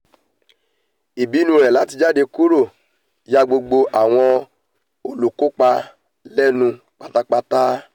Ìpinnu rẹ̀ láti jáde kúrò ya gbogbo àwọn ólὺkópa ̀lẹ́nu pátápátá.